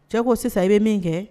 Cɛ ko sisan i bɛ min kɛ